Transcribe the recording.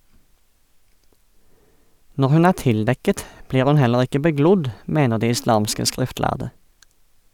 Når hun er tildekket, blir hun heller ikke beglodd , mener de islamske skriftlærde.